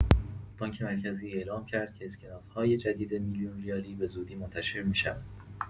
بانک مرکزی اعلام کرد که اسکناس‌های جدید میلیون‌ریالی به‌زودی منتشر می‌شوند.